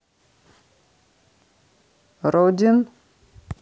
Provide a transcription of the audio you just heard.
родин